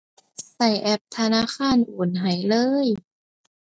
ใช้แอปธนาคารโอนให้เลย